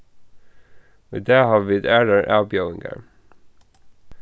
í dag hava vit aðrar avbjóðingar